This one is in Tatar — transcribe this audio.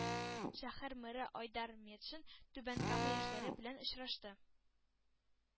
Шәһәр мэры айдар метшин түбән кама яшьләре белән очрашты.